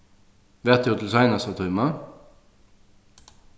vart tú til seinasta tíma